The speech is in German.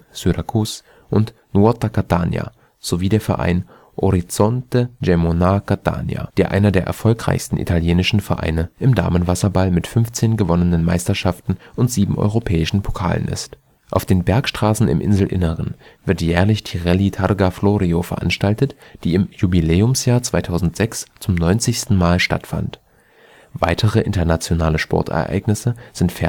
Syrakus) und Nuoto Catania sowie der Verein Orizzonte Geymonat Catania, der einer der erfolgreichsten italienischen Vereine im Damenwasserball mit 15 gewonnenen Meisterschaften und 7 europäischen Pokalen ist. Auf den Bergstraßen im Inselinneren wird jährlich die Rallye Targa Florio veranstaltet, die im Jubiläumsjahr 2006 zum 90. Mal stattfand. Weitere internationale Sportereignisse sind